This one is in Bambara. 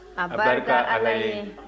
abarika ala ye